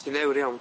Ti'n ddewr iawn.